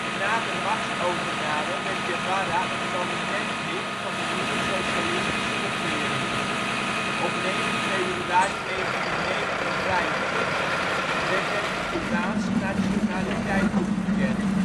Na de machtsovername werd Guevara een prominent lid van de nieuwe socialistische regering. Op 9 februari 1959 werd hem de Cubaanse nationaliteit toegekend